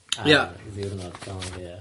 Ie. Ar ddiwrnod Calan Gaea.